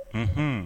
Unhun